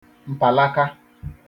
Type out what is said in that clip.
mpalaka